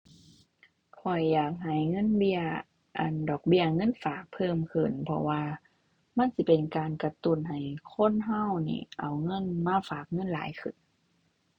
ข้อยอยากให้เงินเบี้ย อั่น ดอกเบี้ยเงินฝากเพิ่มขึ้น เพราะว่ามันสิเป็นการกระตุ้นให้คนเรานี่เอาเงินมาฝากเงินหลายขึ้น